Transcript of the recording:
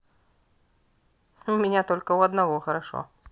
у меня только у одного хорошо